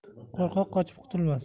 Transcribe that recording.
qo'rqoq qochib qutilmas